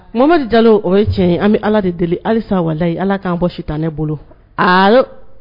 Mama dalenlo o ye tiɲɛ ye an bɛ ala de deli halisa waliyi ala k'an bɔ sitan ne bolo a